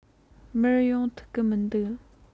མར ཡོང ཐུབ གི མི འདུག